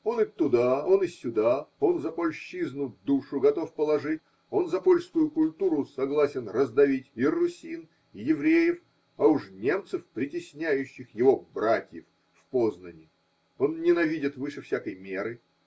Он и туда, он и сюда, он за польщизну душу готов положить, он за польскую культуру согласен раздавить и русин, и евреев, а уж немцев, притесняющих его братьев в Познани, он ненавидит выше всякой меры.